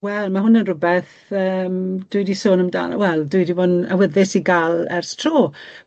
Wel ma' hwnna'n rwbeth yym dwi 'di sôn amdano wel dwi 'di bo' yn awyddus i ga'l ers tro.